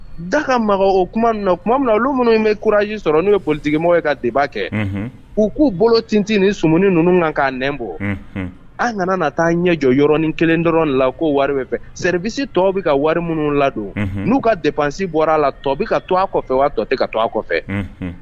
Dagaka ma o tuma min tuma min na olu minnu bɛ kuraji sɔrɔ n'u politigimɔgɔ ye ka de'a kɛ u k'u bolo tte ni sumuni ninnu kan k'a nbɔ an kana taa ɲɛ jɔ yɔrɔɔrɔnin kelen dɔrɔn la ko wari fɛ seribisi tɔ bɛ ka wari minnu ladon n'u ka depsi bɔra a la tɔbi ka to a kɔfɛ tɔ tɛ ka to kɔfɛ